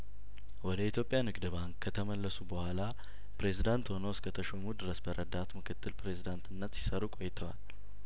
ወደ ኢትዮጵያ ንግድ ባንክ ከተመለሱ በኋላ ፕሬዚዳንት ሆነው እስከተሾሙ ድረስ በረዳት ምክትል ፕሬዚዳንትነት ሲሰሩ ቆይተዋል